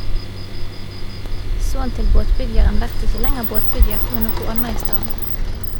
Son til båtbyggjaren vert ikkje lenger båtbyggjar, men noko anna i staden.